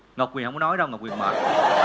ngọc huyền hổng có nói đâu ngọc huyền mệt